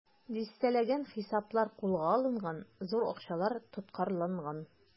Дистәләгән хисаплар кулга алынган, зур акчалар тоткарланган.